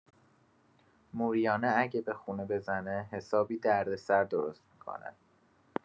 موریانه اگه به خونه بزنه، حسابی دردسر درست می‌کنه.